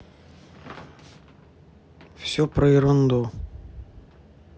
все про ерунду